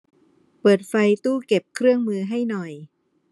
เปิดไฟตู้เก็บเครื่องมือให้หน่อย